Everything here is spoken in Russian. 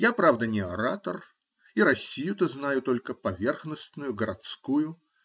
Я, правда, не оратор и Россию-то знаю только поверхностную, городскую